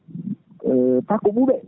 faaka ɓuuɓe